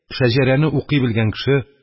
Шәҗәрәне укый белгән кеше,